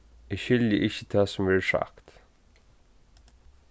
eg skilji ikki tað sum verður sagt